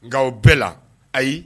Nka o bɛɛ la ayi